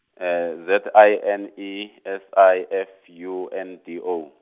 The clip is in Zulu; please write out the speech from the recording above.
Z I N E S I F U N D O.